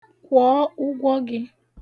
Kwụọ ụgwọ gị!